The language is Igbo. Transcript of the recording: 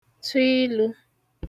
tụ ilū